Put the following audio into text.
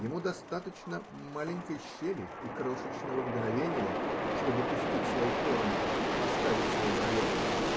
Ему достаточно маленькой щели и крошечного мгновения, чтобы пустить свои корни, оставить свой налет.